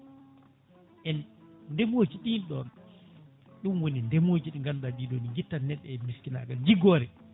en ndeemojo ɗinɗon ɗum woni ndemoji ɗi ganduɗa ɗi ɗi ɗo ɗi guittat neɗɗo e miskinagal jiggore